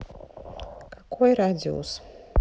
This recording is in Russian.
какой радиус